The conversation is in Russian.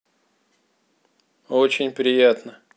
очень приятно